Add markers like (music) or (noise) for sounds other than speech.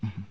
(hesitation) (hesitation)